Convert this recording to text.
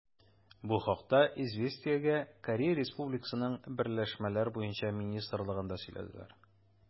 Бу хакта «Известия»гә Корея Республикасының берләшмәләр буенча министрлыгында сөйләделәр.